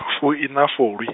fu ina fulwi.